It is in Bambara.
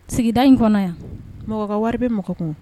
Sigida in kɔnɔ yan mɔgɔ ka wari bɛ mɔgɔ kun